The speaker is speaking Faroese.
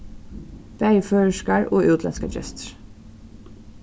bæði føroyskar og útlendskar gestir